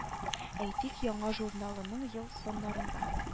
Әйтик яңа журналының ел саннарында